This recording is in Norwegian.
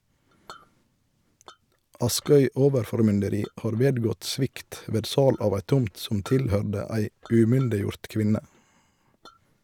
Askøy overformynderi har vedgått svikt ved sal av ei tomt som tilhøyrde ei umyndiggjord kvinne.